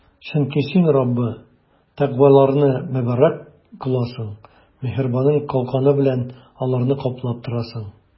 Чөнки Син, Раббы, тәкъваларны мөбарәк кыласың, миһербаның калканы белән аларны каплап торасың.